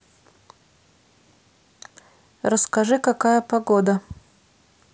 расскажи какая погода